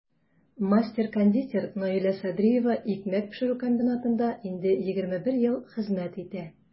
Мастер-кондитер Наилә Садриева икмәк пешерү комбинатында инде 21 ел хезмәт итә.